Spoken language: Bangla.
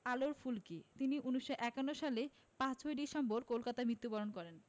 আলোর ফুলকি তিনি ১৯৫১ সালে ৫ই ডিসেম্বর কলকাতায় মৃত্যুবরণ করেন